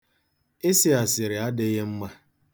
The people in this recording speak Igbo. Ịsị asịrị adịghị mma.